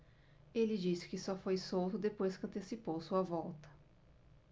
ele disse que só foi solto depois que antecipou sua volta